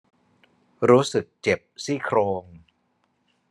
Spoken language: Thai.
รู้สึกเจ็บซี่โครง